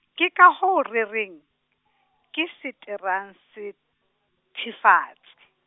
ke ka hoo re reng ke seteransethifatsi.